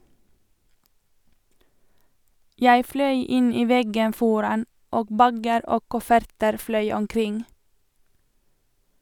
Jeg fløy inn i veggen foran, og bager og kofferter fløy omkring.